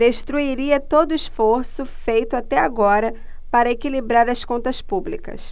destruiria todo esforço feito até agora para equilibrar as contas públicas